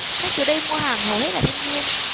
khách tới đây mua hàng hầu hết là thanh niên